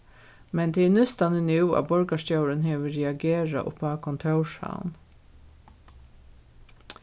men tað er nústani nú at borgarstjórin hevur reagerað uppá kontórshavn